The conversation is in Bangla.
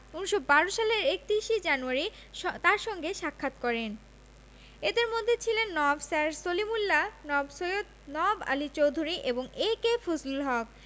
১৯১২ সালের ৩১ জানুয়ারি তাঁর সঙ্গে সাক্ষাৎ করেন এঁদের মধ্যে ছিলেন নওয়াব স্যার সলিমুল্লাহ নওয়াব সৈয়দ নওয়াব আলী চৌধুরী এবং এ.কে ফজলুল হক